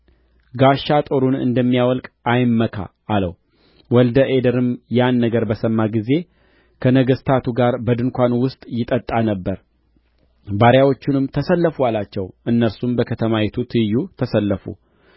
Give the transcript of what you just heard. ጋሻ ጦሩን እንደሚያወልቅ አይመካ አለው ወልደ አዴርም ያን ነገር በሰማ ጊዜ ከነገሥታቱ ጋር በድንኳኑ ውስጥ ይጠጣ ነበር ባሪያዎቹንም ተሰለፉ አላቸው እነርሱም በከተማይቱ ትይዪ ተሰለፉ